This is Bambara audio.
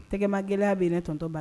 Tɛgɛma gɛlɛya bɛ ne tɔtɔba